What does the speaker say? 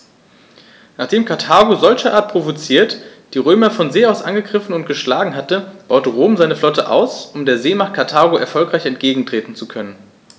Nachdem Karthago, solcherart provoziert, die Römer von See aus angegriffen und geschlagen hatte, baute Rom seine Flotte aus, um der Seemacht Karthago erfolgreich entgegentreten zu können.